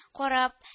Карап